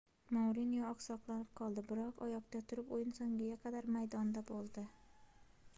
mourinyo oqsoqlanib qoldi biroq oyoqda turib o'yin so'ngiga qadar maydonda bo'ldi